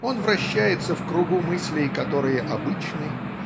Он вращается в кругу мыслей которые обычны